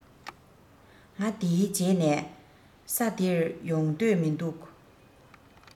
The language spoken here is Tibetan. ང འདིའི རྗེས ནས ས འདིར ཡོང འདོད མི འདུག